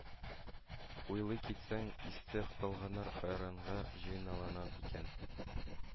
Уйлый китсәң, истә калганнар хәйранга җыйнала икән